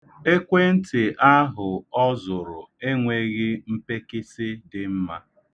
Ekwentị ahụ ọ zụrụ enweghị mpekịsị dị mma.